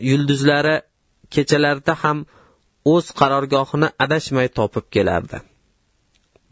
yulduzli kechalarda ham o'z qarorgohlarini adashmay topib kelardi